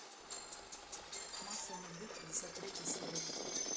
маша и медведь пятьдесят третья серия